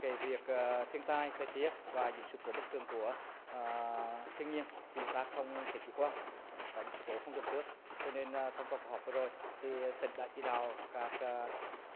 kể việc thiên tai thời tiết và những sự cố bất thường của thiên nhiên chúng ta không thể chủ quan có những sự cố không lường trước cho nên thông qua cuộc họp vừa rồi thì tỉnh đã chỉ đạo các